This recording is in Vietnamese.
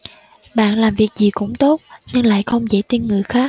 bạn làm việc gì cũng tốt nhưng lại không dễ tin người khác